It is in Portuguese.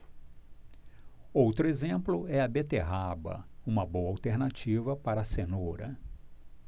outro exemplo é a beterraba uma boa alternativa para a cenoura